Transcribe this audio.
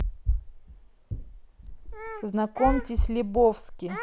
знакомьтесь лебовски